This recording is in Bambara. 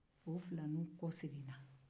o filaniw kɔsegin na